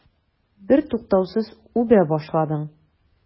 Бертуктаусыз үбә башладың.